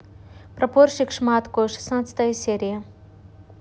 прапорщик шматко шестнадцатая серия